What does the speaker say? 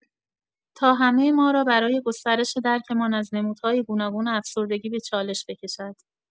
تا همه ما را برای گسترش درکمان از نمودهای گوناگون افسردگی به چالش بکشد.